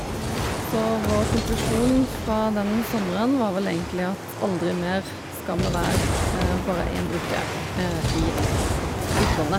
Så vår konklusjon fra den sommeren var vel egentlig at aldri mer skal vi være bare én uke i utlandet.